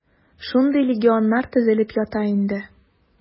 Шундый легионнар төзелеп ята инде.